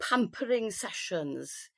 pampering sessions